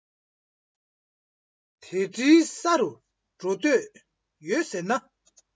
དེ འདྲའི ས རུ འགྲོ འདོད ཡོད ཟེར ན